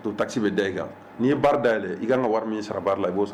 To tasi bɛ da i kan n'i ye baara daɛlɛn i ka wari min sara baara la i'osɔn